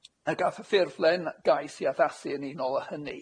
a gath y ffurflen gais 'i addasu yn unol â hynny.